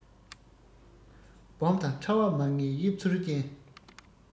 སྦོམ དང ཕྲ བ མ ངེས དབྱིབས ཚུལ ཅན